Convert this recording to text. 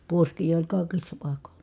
puoskia oli kaikissa paikoin